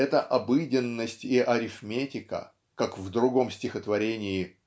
эта обыденность и арифметика (как в другом стихотворении